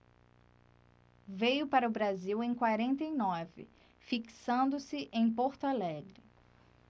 veio para o brasil em quarenta e nove fixando-se em porto alegre